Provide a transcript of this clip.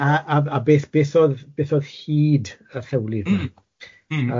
A a a beth beth odd beth oedd hyd yr hewlydd na?